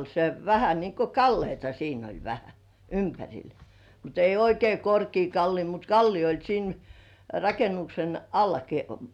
se vähän niin kuin kalliota siinä oli vähän ympärillä mutta ei oikein korkea kallio mutta kallio oli siinä rakennuksen allakin